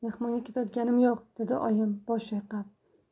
mehmonga ketayotganim yo'q dedi oyim bosh chayqab